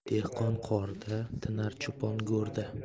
dehqon qorda tinar cho'pon go'rda